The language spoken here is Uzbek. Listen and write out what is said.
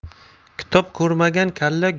kitob ko'rmagan kalla